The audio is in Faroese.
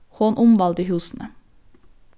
hon umvældi húsini